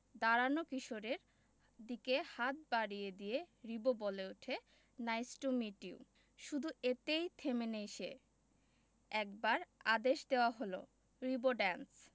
দাঁড়ানো কিশোরের দিকে হাত বাড়িয়ে দিয়ে রিবো বলে উঠে নাইস টু মিট ইউ শুধু এতেই থেমে নেই সে একবার আদেশ দেওয়া হলো রিবো ড্যান্স